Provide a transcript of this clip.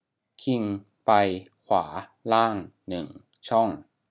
คิงไปขวาล่างหนึ่งช่อง